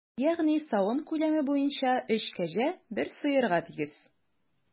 Ягъни савым күләме буенча өч кәҗә бер сыерга тигез.